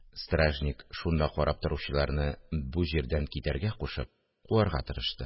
Стражник шунда карап торучыларны бу җирдән китәргә кушып куарга тырышты